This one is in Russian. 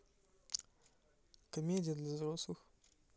комедия для взрослых